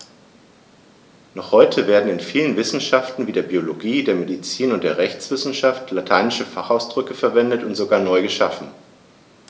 Noch heute werden in vielen Wissenschaften wie der Biologie, der Medizin und der Rechtswissenschaft lateinische Fachausdrücke verwendet und sogar neu geschaffen.